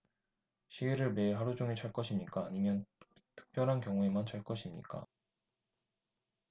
시계를 매일 하루 종일 찰 것입니까 아니면 특별한 경우에만 찰 것입니까